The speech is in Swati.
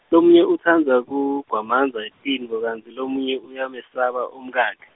lomunye utsandza kugwamandza tinfto kantsi lomunye uyamesaba umkakhe.